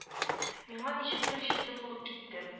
Миңа ничектер читен булып китте